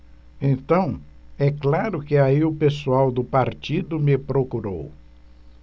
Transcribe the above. então é claro que aí o pessoal do partido me procurou